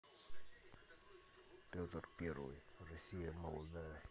петр первый россия молодая